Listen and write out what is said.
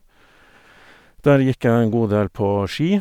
Der gikk jeg en god del på ski.